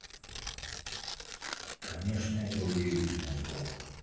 конечно это удивительное слово